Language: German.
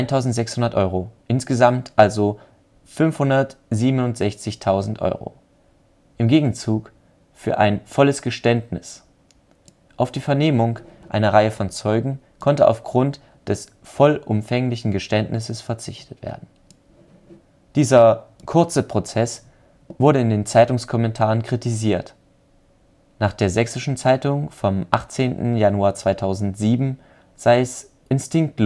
a 1600 € (insgesamt also 576.000 €) im Gegenzug für ein volles Geständnis. Auf die Vernehmung einer Reihe von Zeugen konnte, aufgrund des vollumfänglichen Geständnisses, verzichtet werden. Dieser „ kurze “Prozess wurde in Zeitungskommentaren kritisiert. Nach der Sächsischen Zeitung vom 18. Januar 2007 sei es „ instinktlos, ‚